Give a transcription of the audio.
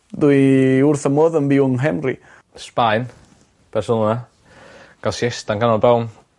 Dwi wrth fy modd yn byw yng Nghemru. Sbaen Barcelona. ga'l siesta yn ganol pr'awn.